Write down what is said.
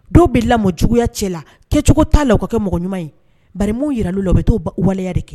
Dɔw bɛ lamɔ juguyaya cɛ la kɛcogo t'a la kɛ mɔgɔ ɲuman ye bamuw yɛrɛ labɛn taa waleya de kɛ